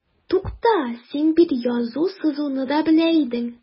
Тукта, син бит язу-сызуны да белә идең.